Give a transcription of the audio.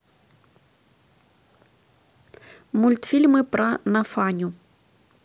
мультфильмы про нафаню